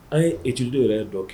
An ye ej yɛrɛ ye dɔ kɛ